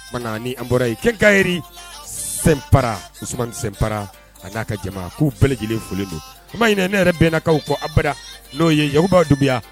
maraha n'an bɔra en, quinicaillerie Sɛnpara, Usumani Sɛnpara, a na ka jama k'u bɛɛ lajɛlen folen don, an ma ɲinɛ ne yɛrɛ bɛnnanaw kɔ n'o ye yakuba Dunbuya.